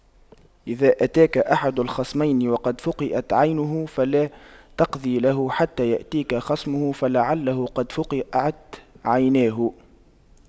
إذا أتاك أحد الخصمين وقد فُقِئَتْ عينه فلا تقض له حتى يأتيك خصمه فلعله قد فُقِئَتْ عيناه